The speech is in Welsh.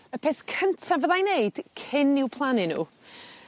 Y peth cynta fyddai neud cyn i'w plannu n'w